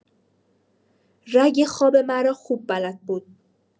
رگ خواب مرا خوب بلد بود